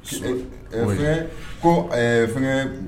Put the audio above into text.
Eee eee fɛn ko fɛn